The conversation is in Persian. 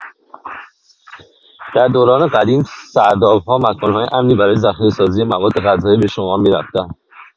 در دوران قدیم، سرداب‌ها مکان‌های امنی برای ذخیره‌سازی موادغذایی به شمار می‌رفتند.